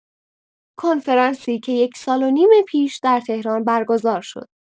کنفرانسی که یک سال و نیم پیش در تهران برگزار شد.